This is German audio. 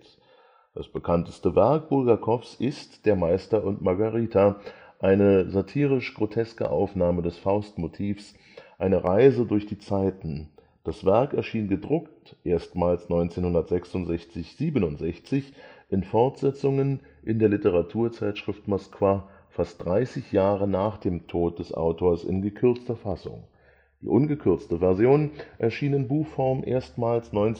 bekannteste Werk Bulgakows ist „ Der Meister und Margarita “, eine satirisch-groteske Aufnahme des Faustmotivs, eine Reise durch die Zeiten. Das Werk erschien gedruckt erstmals 1966 / 67 in Fortsetzungen in der Literaturzeitschrift Moskwa, fast 30 Jahre nach dem Tod des Autors, in gekürzter Fassung. Die ungekürzte Version erschien in Buchform erstmals 1973